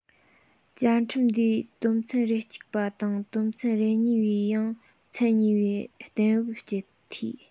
བཅའ ཁྲིམས འདིའི དོན ཚན རེ གཅིག པ དང དོན ཚན རེ གཉིས པའི ཡང ཚན གཉིས པའི གཏན འབེབས སྤྱད འཐུས